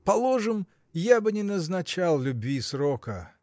Положим, я бы не назначал любви срока